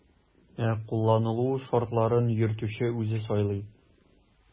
Ә кулланылу шартларын йөртүче үзе сайлый.